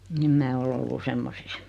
en minä ole ollut semmoisissa